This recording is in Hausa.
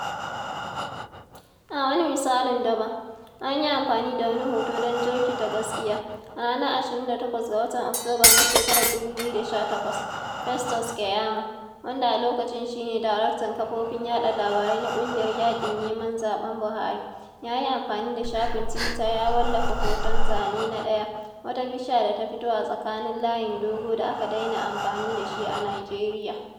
A wani misalin daban, an yi amfani da wani hoto don jirkita gaskiya. A ranar 28 ga watan Oktoba na shekarar 2018, Festus Keyamo, wanda a lokacin shi ne daraktan kafofin yaɗa labarai na ƙungiyar Yaƙin Neman Zaɓen Buhari, ya yi amfani da shafin tuwita ya wallafa hoton (Zane na 1) wata bishiya da ta fito a tsakaninlayin dogo da aka daina amfani da shi a Nijeriya.